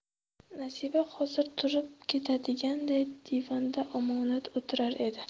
nasiba hozir turib ketadiganday divanda omonat o'tirar edi